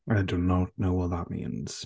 I do not know what that means.